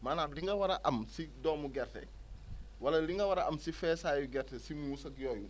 maanaam li nga war a am si doomu gerte wala li nga war a am si feesaayu gerte si muus ak yooyu